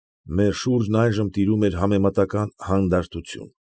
Մեր շուրջն այժմ տիրում էր համեմատական հանդարտություն։